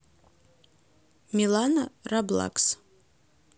милана роблакс